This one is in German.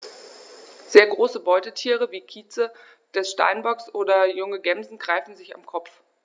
Sehr große Beutetiere wie Kitze des Steinbocks oder junge Gämsen greifen sie am Kopf.